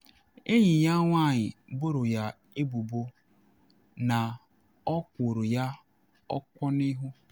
Enyi ya nwanyị boro ya ebubo na ọ kụrụ ya ọkpọ n’ihu.